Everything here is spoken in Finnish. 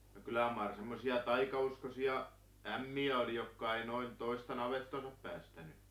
no kyllä mar semmoisia taikauskoisia ämmiä oli jotka ei noin toista navettaansa päästänyt